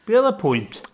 Be oedd y pwynt?